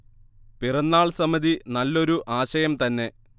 പിറന്നാൾ സമിതി നല്ലൊരു ആശയം തന്നെ